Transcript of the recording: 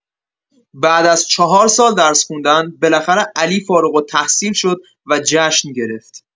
بعد از چهار سال درس خوندن، بالاخره علی فارغ‌التحصیل شد و جشن گرفت.